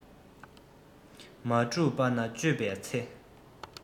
མ གྲུབ པ ན དཔྱོད པའི ཚེ